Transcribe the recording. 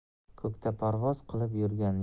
ko'kda parvoz qilib yurgan